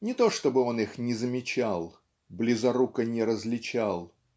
Не то чтобы он их не замечал, близоруко не различал